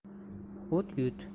hut yut